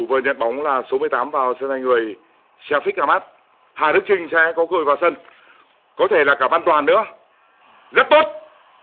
vừa nhận bóng là số mười tám vào sân thay người xi a phích a mát hà đức chinh sẽ có cơ hội vào sân có thể là cả văn toàn nữa rất tốt